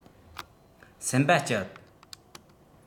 སེམས པ སྐྱིད